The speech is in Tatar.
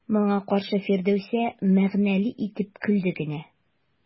Моңа каршы Фирдәүсә мәгънәле итеп көлде генә.